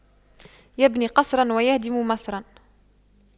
يبني قصراً ويهدم مصراً